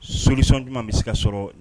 Solution juman bɛ se ka sɔrɔ?